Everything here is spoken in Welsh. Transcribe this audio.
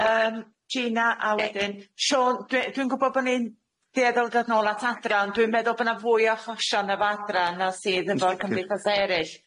Iawn yym Gina a wedyn Siôn dwi dwi'n gwbo' bo' ni'n dueddol yn dod nôl at Adra ond dwi'n meddwl bo' na fwy o achosion efo adra na sydd efo cymdeithas eryll.